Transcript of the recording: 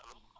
allo